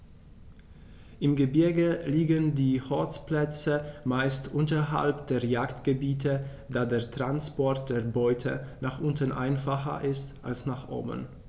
Im Gebirge liegen die Horstplätze meist unterhalb der Jagdgebiete, da der Transport der Beute nach unten einfacher ist als nach oben.